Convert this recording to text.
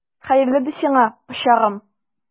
Хәерле ди сиңа, пычагым!